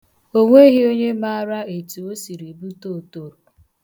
O nweghị onye maara etu o siri bute otoro.